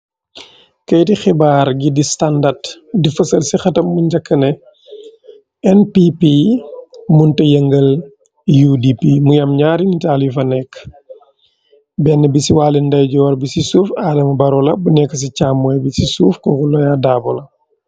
Keyti xibaar gi di standard di fësal ci xatam mu njakkne npp munte yëngal udp muy am ñaari nitaali fa nekk benn bi si walli nday joor bi ci suuf aaleme barola bu nekk ci càmmooy bi ci suuf koku loya daabola.